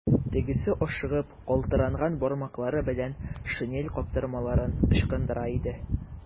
Тегесе ашыгып, калтыранган бармаклары белән шинель каптырмаларын ычкындыра иде.